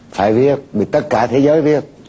phải viết vì tất cả thế giới viết